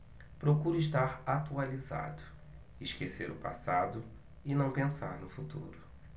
procuro estar atualizado esquecer o passado e não pensar no futuro